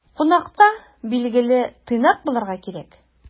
Кунакта, билгеле, тыйнак булырга кирәк.